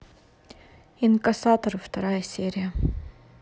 инкассаторы вторая серия